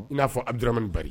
N'a fɔ adira ni ba